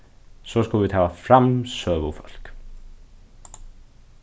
so skulu vit hava framsøgufólk